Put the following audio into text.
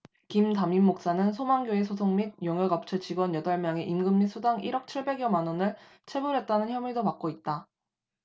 김 담임목사는 소망교회 소속 및 용역업체 직원 여덟 명의 임금 및 수당 일 억 칠백 여만원을 체불했다는 혐의도 받고 있다